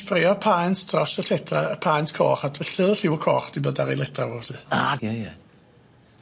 sbreio paent dros y lledra y paent coch a d- felly o'dd y lliw y coch 'di bod ar ei ledra fo 'lly. Ah. Ie ie.